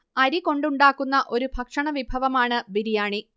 അരി കൊണ്ടുണ്ടാക്കുന്ന ഒരു ഭക്ഷണ വിഭവമാണ് ബിരിയാണി